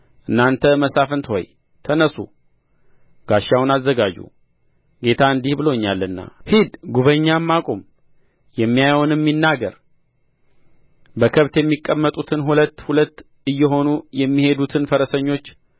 እናንተ መሳፍንት ሆይ ተነሡ ጋሻውን አዘጋጁ ጌታ እንዲህ ብሎኛልና ሂድ ጉበኛም አቁም የሚያየውንም ይናገር በከብት የሚቀመጡትን ሁለት ሁለት እየሆኑ የሚሄዱት ፈረሰኞች